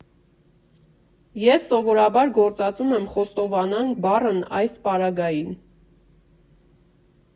Ես սովորաբար գործածում եմ խոստովանանք բառն այս պարագային։